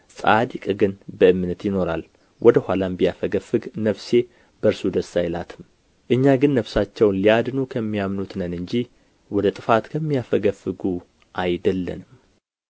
ጻድቅ ግን በእምነት ይኖራል ወደ ኋላም ቢያፈገፍግ ነፍሴ በእርሱ ደስ አይላትም እኛ ግን ነፍሳቸውን ሊያድኑ ከሚያምኑቱ ነን እንጂ ወደ ጥፋት ከሚያፈገፍጉ አይደለንም